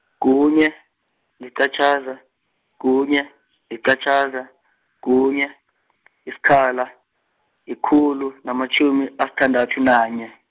kunye, liqatjhaza, kunye, liqatjhaza, kunye, yisikhala, yikhulu, namatjhumi asithadathu nanye.